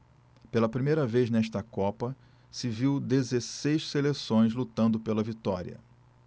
pela primeira vez nesta copa se viu dezesseis seleções lutando pela vitória